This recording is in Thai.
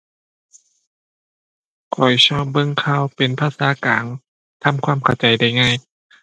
ข้อยชอบเบิ่งข่าวเป็นภาษากลาง ทำความเข้าใจได้ง่าย